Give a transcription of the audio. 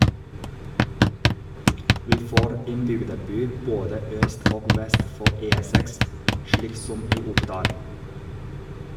Vi får en bygdeby både øst og vest for E6, slik som i Oppdal.